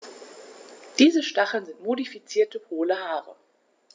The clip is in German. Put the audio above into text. Diese Stacheln sind modifizierte, hohle Haare.